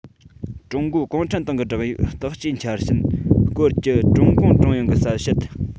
ཀྲུང གོའི གུང ཁྲན ཏང གི སྒྲིག ཡིག དག བཅོས འཆར ཟིན སྐོར གྱི ཀྲུང གུང ཀྲུང དབྱང གི གསལ བཤད